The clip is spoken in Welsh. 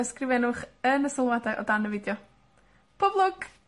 ysgrifennwch yn y sylwadau o dan y fideo. Pob lwc!